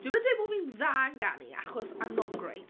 Dwi'm yn dweud bo' fi'n dda yn ganu, achos I'm not great.